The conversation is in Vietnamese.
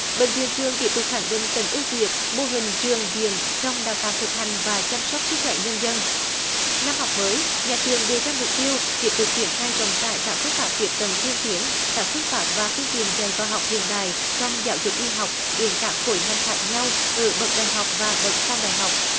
bệnh viện trường tiếp tục khẳng định tính ưu việt mô hình trường viện trong đào tạo thực hành và chăm sóc sức khỏe nhân dân năm học mới nhà trường đề ra mục tiêu tiếp tục triển khai rộng rãi cả phương pháp tiếp cận tiên tiến các phương pháp và phương tiện dạy và học hiện đại trong giáo dục y học đến các khối ngành khác nhau ở bậc đại học và bậc sau đại học